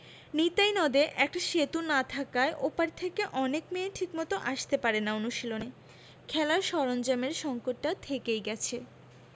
নিতাই নদে একটা সেতু না থাকায় ও পার থেকে অনেক মেয়ে ঠিকমতো আসতে পারে না অনুশীলনে খেলার সরঞ্জামের সংকটটা থেকেই গেছে